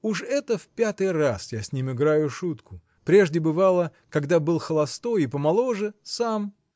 Уж это в пятый раз я с ним играю шутку прежде бывало когда был холостой и помоложе сам